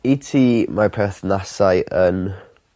I ti mae perthnasau yn